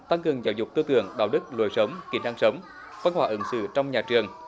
tăng cường giáo dục tư tưởng đạo đức lối sống kỹ năng sống văn hóa ứng xử trong nhà trường